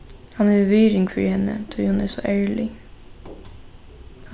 hann hevur virðing fyri henni tí hon er so ærlig